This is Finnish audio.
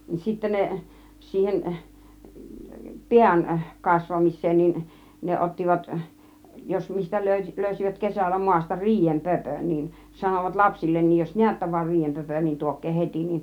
niin sitten ne siihen pään kasvamiseen niin ne ottivat jos mistä - löysivät kesällä maasta riiden pöpön niin sanoivat lapsillekin jos näette vain riidenpöpön niin tuokaa heti niin